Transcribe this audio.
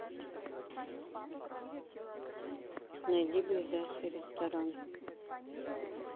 найди ближайший ресторан